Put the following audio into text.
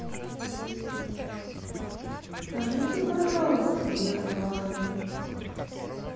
скажите пожалуйста я злая